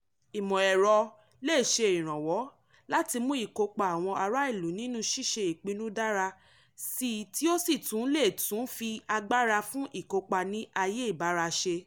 Ìmọ̀-ẹ̀rọ lè ṣe ìrànwọ́ láti mú ìkópa àwọn ará-ìlú nínú ṣíṣe-ìpinnu dára síi tí ó sì tún lè tún fi agbára fún ìkópa ní ayé ìbáraṣe.